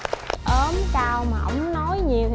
ốm đau mà ổng nói nhiều